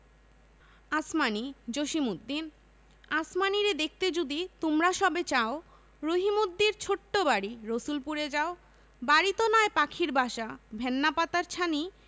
আসমানী জসিমউদ্দিন আসমানীরে দেখতে যদি তোমরা সবে চাও রহিমদ্দির ছোট্ট বাড়ি রসুলপুরে যাও বাড়িতো নয় পাখির বাসা ভেন্না পাতার ছানি